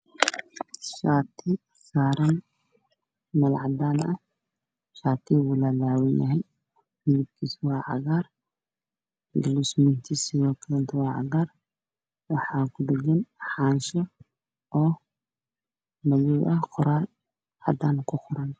Shaati saaran meel cadaan ah shaatiga waa cagaar